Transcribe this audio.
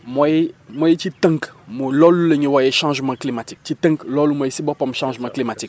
mooy mooy ci tënk mooy loolu la ñuy woowee changement climatique ci tënk loolu mooy ci boppam changement climatique